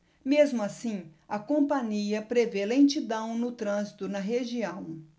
mesmo assim a companhia prevê lentidão no trânsito na região